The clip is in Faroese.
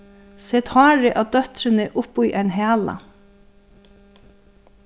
set hárið á dóttrini upp í ein hala